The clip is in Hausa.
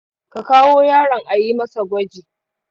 ka kawo yaron a yi masa gwaji.